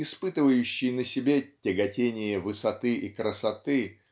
испытывающий на себе тяготение высоты и красоты